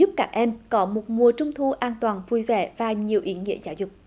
giúp các em có một mùa trung thu an toàn vui vẻ và nhiều ý nghĩa giáo dục